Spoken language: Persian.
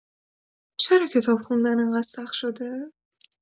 چرا کتاب خوندن این‌قدر سخت شده؟